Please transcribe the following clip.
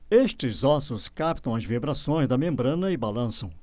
estes ossos captam as vibrações da membrana e balançam